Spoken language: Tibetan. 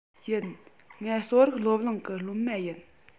ཡིན ང གསོ རིག སློབ གླིང གི སློབ མ ཡིན